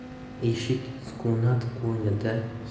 eshik sukunat qo'ynida